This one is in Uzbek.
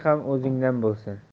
ham o'zingdan bo'lsin